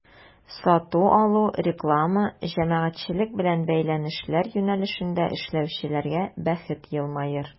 Сату-алу, реклама, җәмәгатьчелек белән бәйләнешләр юнәлешендә эшләүчеләргә бәхет елмаер.